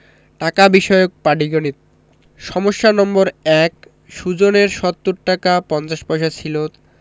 টাকা বিষয়ক পাটিগনিতঃ সমস্যা নম্বর ১ সুজনের ৭০ টাকা ৫০ পয়সা ছিল তার মা